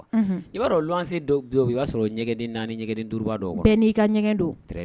I b'a dɔn dɔw o i b'a sɔrɔ ɲɛgɛnden naani ɲɛgɛnden duuruuruba dɔn n'i ka ɲɛgɛn don